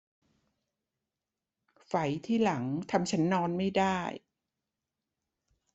ไฝที่หลังทำฉันนอนไม่ได้